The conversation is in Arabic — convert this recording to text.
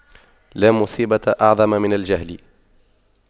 لا مصيبة أعظم من الجهل